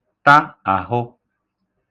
ta àhụ